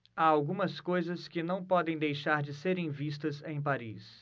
há algumas coisas que não podem deixar de serem vistas em paris